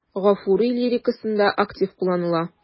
Гафури лирикасында актив кулланыла.